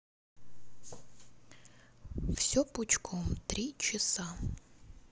все пучком три часа